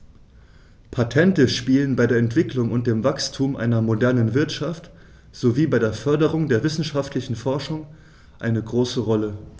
Patente spielen bei der Entwicklung und dem Wachstum einer modernen Wirtschaft sowie bei der Förderung der wissenschaftlichen Forschung eine große Rolle.